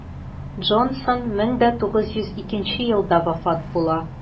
Джонсон 1902 елда вафат була.